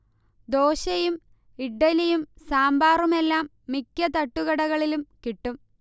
ദോശയും ഇഡ്ഢലിയും സാമ്പാറുമെല്ലാം മിക്ക തട്ടുകടകളിലും കിട്ടും